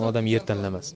o'lgan odam yer tanlamas